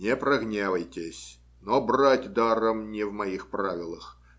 не прогневайтесь, но брать даром не в моих правилах.